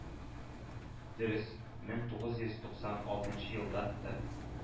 Дөрес, мең тугыз йөз туксан алтынчы елда да